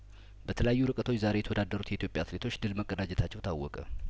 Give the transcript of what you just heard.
በተለያዩ ርቀቶች ዛሬ የተወዳ ሩት የኢትዮጵያ አትሌቶች ድል መቀዳጀታቸው ታወቀ